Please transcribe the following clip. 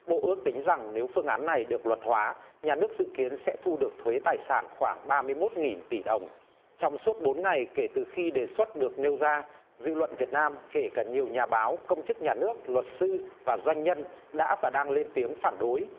bộ ước tính rằng nếu phương án này được luật hóa nhà nước dự kiến sẽ thu được thuế tài sản khoảng ba mươi mốt nghìn tỷ đồng trong suốt bốn ngày kể từ khi đề xuất được nêu ra dư luận việt nam kể cả nhiều nhà báo công chức nhà nước luật sư và doanh nhân đã và đang lên tiếng phản đối